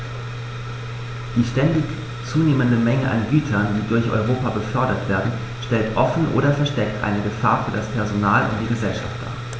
Die ständig zunehmende Menge an Gütern, die durch Europa befördert werden, stellt offen oder versteckt eine Gefahr für das Personal und die Gesellschaft dar.